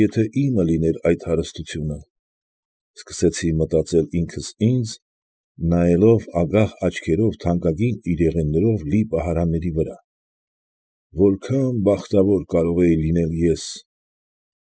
Եթե իմը լիներ այդ հարստությունը, ֊ սկսեցի մտածել ինքս ինձ, նայելով ագահ աչքերով թանկագին իրեղեններով լի պահարանների վրա, ֊ որքա՛ն բախտավոր կարող էի լինել ես։